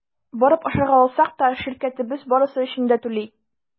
Барып ашарга алсак та – ширкәтебез барысы өчен дә түли.